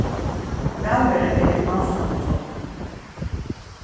vælvera er í hásæti hjá okkum